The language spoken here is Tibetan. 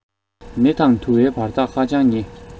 མེ དང དུ བའི བར ཐག ཧ ཅང ཉེ